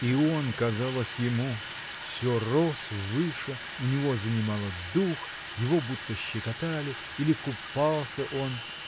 И он, казалось ему, всё рос выше, у него занимало дух, его будто щекотали или купался он.